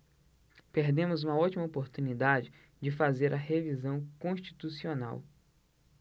perdemos uma ótima oportunidade de fazer a revisão constitucional